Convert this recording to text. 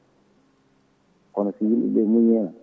kono si yimɓeɓe muuñi hen